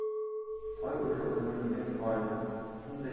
toy o'sha o'zimizning toy shunday